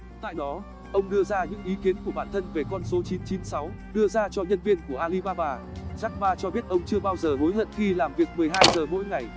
tại đó ông đưa ra những ý kiến của bản thân về con số đưa ra cho nhân viên của alibaba jack ma cho biết ông chưa bao giờ hối hận khi làm việc giờ ngày